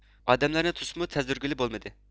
ئادەملەرنى توسۇپمۇ تەزدۈرگىلى بولمىدى